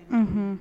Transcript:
Unhun